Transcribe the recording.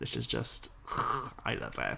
This is just, , I love it.